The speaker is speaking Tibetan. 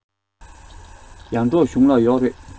ཡར འབྲོག གཞུང ལ ཡོག རེད